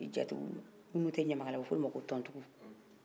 i jatigigiw minnu tɛ ɲamakala ye a bɛ fɔ olu ma ko tontigiw